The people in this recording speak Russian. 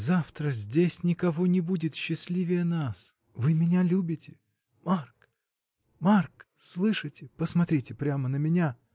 Завтра здесь никого не будет счастливее нас!. Вы меня любите. Марк! Марк. слышите? посмотрите прямо на меня.